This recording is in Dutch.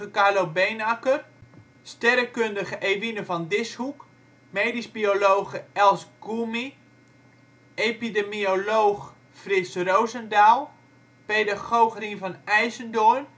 Carlo Beenakker, sterrenkundige Ewine van Dishoeck, medisch biologe Els Goulmy, epidemioloog Frits Rosendaal, pedagoog Rien van IJzendoorn